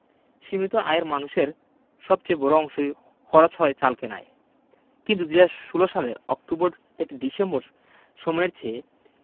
সীমিত আয়ের মানুষের খরচের বড় অংশই খরচ হয় চাল কেনায় কিন্তু ২০১৬ সালের অক্টোবর থেকে ডিসেম্বর সময়ের চেয়ে